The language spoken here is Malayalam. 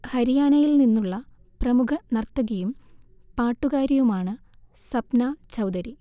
ഹരിയാനയിൽ നിന്നുള്ള പ്രമുഖ നർത്തകിയും പാട്ടുകാരിയുമാണ് സപ്ന ചൗധരി